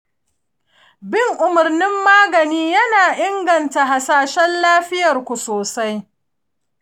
bin umarnin magani yana inganta hasashen lafiyar ku sosai.